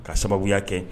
Ka sababuya kɛ.